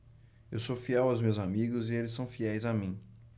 eu sou fiel aos meus amigos e eles são fiéis a mim